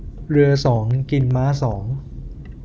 เรือสองกินม้าสอง